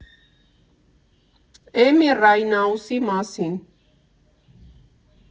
Էմի Ուայնհաուսի մասին։